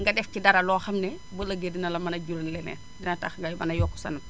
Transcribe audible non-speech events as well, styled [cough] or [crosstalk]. nga def ci dara loo xam ne bu ëllëgee dina la mën a jaral leneen dina tax ngay mën a [noise] yokk sa natt